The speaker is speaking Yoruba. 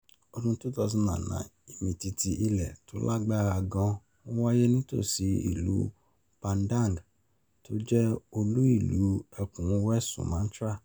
Ọdún 2009: Ìmìtìtì ilẹ̀ tó lágbára gan-an wáyé nítòsí ìlú Padang, tó jẹ́ olú ìlú ẹkùn West Sumatra.